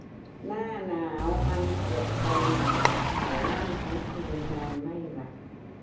หน้าหนาวมันปวดไปหมดเข่าลั่นทั้งคืนนอนไม่หลับ